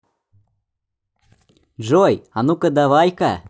джой а ну ка давай ка